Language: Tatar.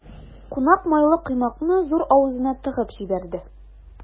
Кунак майлы коймакны зур авызына тыгып җибәрде.